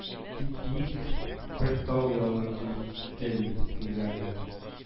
— дип, биек бер тау янына килеп китте, ди, тегеләрне